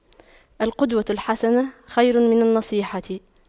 القدوة الحسنة خير من النصيحة